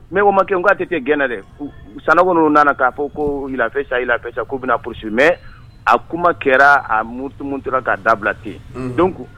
Mɛ komakɛ'a tɛ tɛ gɛrɛ dɛ san nana'a fɔ kofɛ safɛ sa k' bɛna p mɛ a kuma kɛra a murutumu tora k'a dabila ten yen don